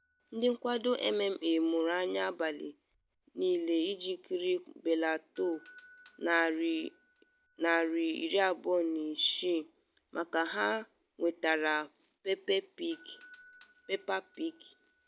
Ndị nkwado MMA mụrụ anya abalị niile iji kiri Bellator 206, kama ha nwetara Peppa Pig